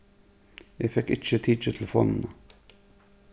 eg fekk ikki tikið telefonina